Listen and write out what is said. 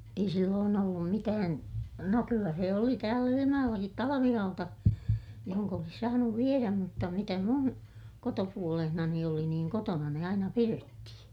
ei silloin ollut mitään no kyllä se oli täällä Ilmajoellakin talvihauta johon olisi saanut viedä mutta mitä minun kotopuolessani oli niin kotona ne aina pidettiin